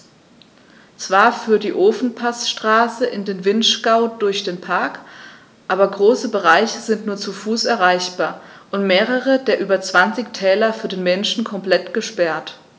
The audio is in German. Zwar führt die Ofenpassstraße in den Vinschgau durch den Park, aber große Bereiche sind nur zu Fuß erreichbar und mehrere der über 20 Täler für den Menschen komplett gesperrt.